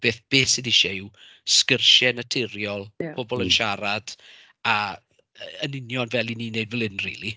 Beth beth sydd isie yw sgyrsiau naturiol... ia m-hm. ...pobl yn siarad, a... yn union fel y' ni'n wneud fel hyn rili.